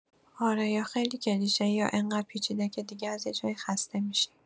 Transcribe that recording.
آره، یا خیلی کلیشه‌ای یا انقدر پیچیده که دیگه از یه جایی خسته می‌شی.